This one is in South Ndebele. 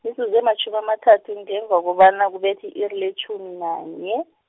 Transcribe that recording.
mizuzu ematjhumi amathathu ngemva kobana kubethe i-iri letjhumi nanye.